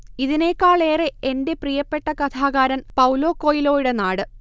ഇതിനേക്കാളേറെ എന്റെ പ്രിയപ്പെട്ട കഥാകാരൻ പൌലോ കൊയ്ലോയുടെ നാട്